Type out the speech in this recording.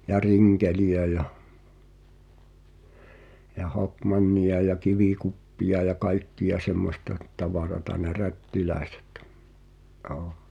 ja rinkeleitä ja ja hokmannia ja kivikuppeja ja kaikkia semmoista tavaraa ne rättiläiset joo